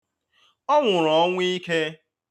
Ọ nwụrụ ọnwụ ike.